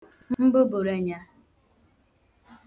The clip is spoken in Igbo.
mbụbụrenyā